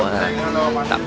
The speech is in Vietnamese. năm